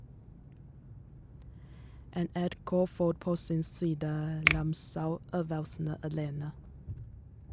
NRK får på sin side Ramsau-øvelsene alene.